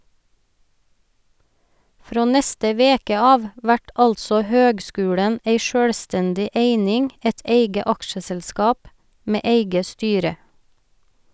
Frå neste veke av vert altså høgskulen ei sjølvstendig eining , eit eige aksjeselskap med eige styre.